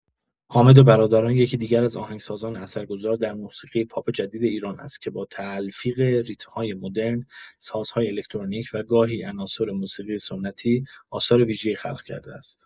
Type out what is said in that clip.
حامد برادران یکی دیگر از آهنگسازان اثرگذار در موسیقی پاپ جدید ایران است که با تلفیق ریتم‌های مدرن، سازهای الکترونیک و گاهی عناصر موسیقی سنتی، آثار ویژه‌ای خلق کرده است.